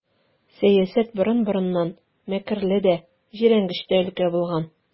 Сәясәт борын-борыннан мәкерле дә, җирәнгеч тә өлкә булган.